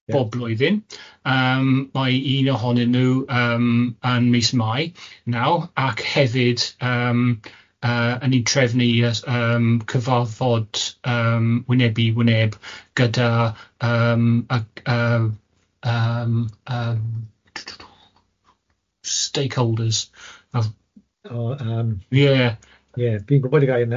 bob blwyddyn, yym mae un ohonyn nhw yym yn mis Mai naw, ac hefyd yym yy y'n ni'n trefnu yy yym cyfarfod yym wyneb i wyneb gyda yym ac yym yym ymm stakeholders o o yym... Ie ie fi'n gwybod y gair yna.